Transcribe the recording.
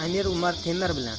amir urar temir bilan